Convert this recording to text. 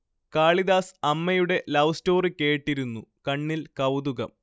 കാളിദാസ് അമ്മയുടെ love story കേട്ടിരുന്നു കണ്ണിൽ കൗതുകം